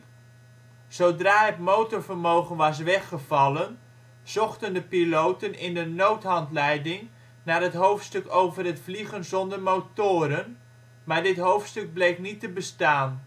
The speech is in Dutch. Zodra het motorvermogen was weggevallen zochten de piloten in de noodhandleiding naar het hoofdstuk over het vliegen zonder motoren, maar dit hoofdstuk bleek niet te bestaan